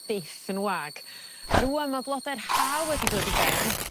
...byth yn wag a rŵan ma' blode'r Ha wedi dod i ben